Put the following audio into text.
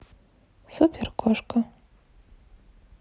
супер кошка